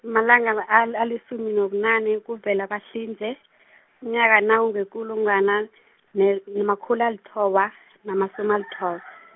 amalanga ma- al- alisumi nobunane kuVelabahlinze, unyaka nakungewekulungwana, ne- namakhulu alithoba, namasumi alitho-.